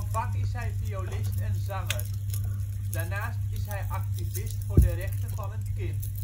vak is hij violist en zanger. Daarnaast is hij activist voor de Rechten van het Kind